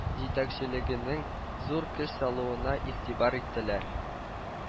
Җитәкчелегенең зур көч салуына игътибар иттеләр